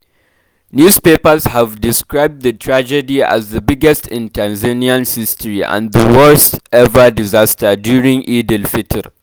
Newspapers have described the tragedy as “the biggest in Tanzania's history” and “the worst-ever disaster during Eid al-Fitr”.